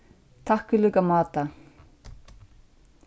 takk í líka máta